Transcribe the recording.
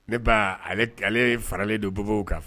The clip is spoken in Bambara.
Ne ba ale faralen don bɔ kan